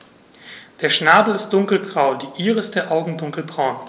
Der Schnabel ist dunkelgrau, die Iris der Augen dunkelbraun.